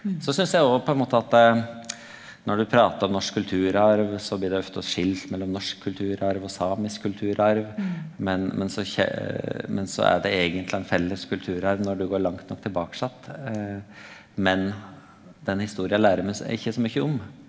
så synast eg og på ein måte at når du pratar om norsk kulturarv så blir det ofte skilt mellom norsk kulturarv og samisk kulturarv, men men så men så er det eigentleg ein felles kulturarv når du går langt nok tilbake att, men den historia lærer me ikkje så mykje om.